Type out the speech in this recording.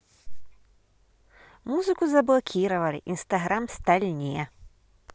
музыку заблокировали инстаграм сталь не